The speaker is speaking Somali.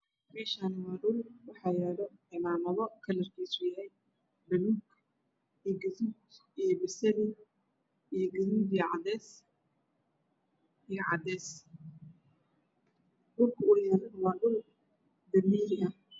Meshani waa dhul waxa yaalo cimamado kalarkisu yahy baluug iyo gadud iyo basali iyo gadud iyo cadees iyo cadees dhulka u yalo waa dhul dameeri ah